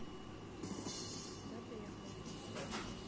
когда приехала